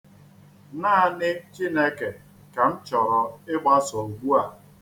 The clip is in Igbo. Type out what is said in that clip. Naanị Chineke ka m chọrọ ịgbaso ugbua.